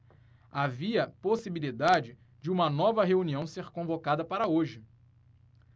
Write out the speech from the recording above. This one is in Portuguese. havia possibilidade de uma nova reunião ser convocada para hoje